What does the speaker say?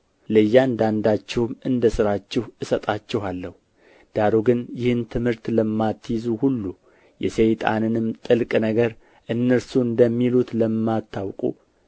ለእያንዳንዳችሁም እንደ ሥራችሁ እሰጣችኋለሁ ዳሩ ግን ይህን ትምህርት ለማትይዙ ሁሉ የሰይጣንንም ጥልቅ ነገር እነርሱ እንደሚሉት ለማታውቁ